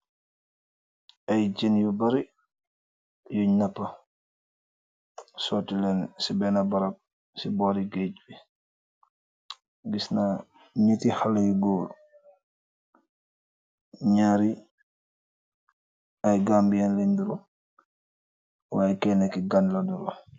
Ay jen yu bari yuñ nappa, sooti leen ci benn barab ci boori gaeje bi. Gisna ñati xaleyu góor ñaari ay gàmbyeen leñ neru waaye kenna ki gan la neru